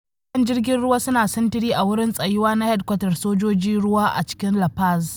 Matuƙan jirgin ruwa suna sintiri a wurin tsayuwa na hedikwatar sojojin ruwa a cikin La Paz.